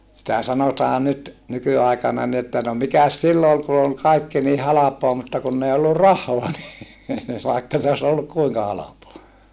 sitä sanotaan nyt nykyaikana niin että no mikäs silloin oli kun oli kaikki niin halpaa mutta kun ei ollut rahaa niin vaikka se olisi ollut kuinka halpaa